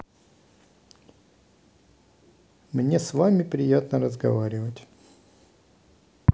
мне с вами приятно разговаривать